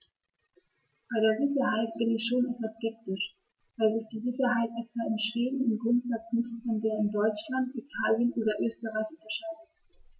Bei der Sicherheit bin ich schon etwas skeptisch, weil sich die Sicherheit etwa in Schweden im Grundsatz nicht von der in Deutschland, Italien oder Österreich unterscheidet.